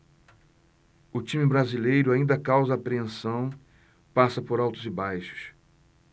o time brasileiro ainda causa apreensão passa por altos e baixos